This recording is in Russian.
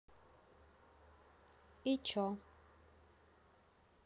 и че